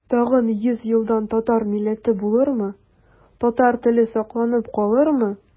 Тагын йөз елдан татар милләте булырмы, татар теле сакланып калырмы?